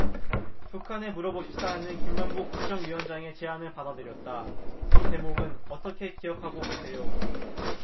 북한에 물어봅시다 하는 김만복 국정원장의 제안을 받아들였다 이 대목은 어떻게 기억하고 계세요